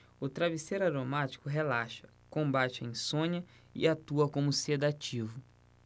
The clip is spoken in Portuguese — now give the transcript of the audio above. o travesseiro aromático relaxa combate a insônia e atua como sedativo